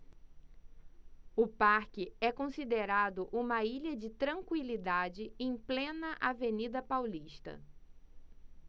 o parque é considerado uma ilha de tranquilidade em plena avenida paulista